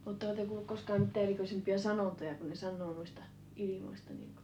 oletteko te kuullut koskaan mitään erikoisempia sanontoja kun ne sanoo noista ilmoista niin kuin